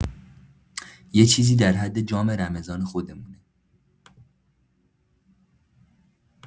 یه چیزی در حد جام رمضان خودمونه.